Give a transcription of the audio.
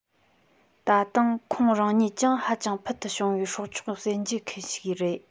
ད དུང ཁོང རང ཉིད ཀྱང ཧ ཅང ཕུལ དུ བྱུང བའི སྲོག ཆགས གསལ འབྱེད མཁན ཞིག རེད